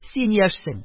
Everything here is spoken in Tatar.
Син яшьсең.